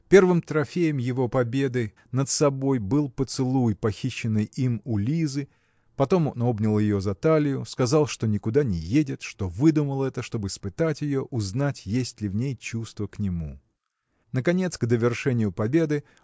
Первым трофеем его победы над собой был поцелуй похищенный им у Лизы потом он обнял ее за талию сказал что никуда не едет что выдумал это чтоб испытать ее узнать есть ли в ней чувство к нему. Наконец к довершению победы